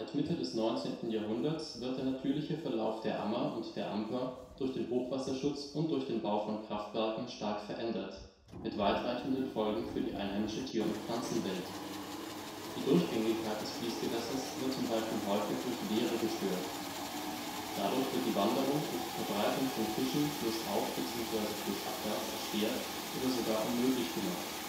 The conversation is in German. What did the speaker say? Mitte des 19. Jahrhunderts wird der natürliche Verlauf der Ammer und der Amper durch verschiedene Hochwasserschutzmaßnahmen und den Bau von Kraftwerken stark eingeschränkt – mit weitreichenden Folgen für die einheimische Tier - und Pflanzenwelt. Die Durchgängigkeit des Fließgewässers wird zum Beispiel häufig durch Wehre gestört. Dadurch wird die Möglichkeit der Wanderung und der Verbreitung von Fischen flussauf - bzw. flussabwärts erschwert oder sogar unmöglich gemacht